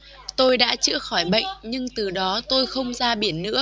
tôi đã chữa khỏi bệnh nhưng từ đó tôi không ra biển nữa